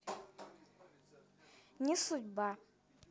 не судьба